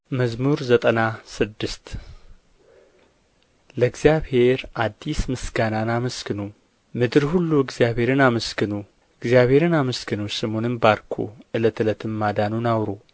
መዝሙር ዘጠና ስድስት ለእግዚአብሔር አዲስ ምስጋናን አመስግኑ ምድር ሁሉ እግዚአብሔርን አመስግኑ እግዚአብሔርን አመስግኑ ስሙንም ባርኩ ዕለት ዕለትም ማዳኑን አውሩ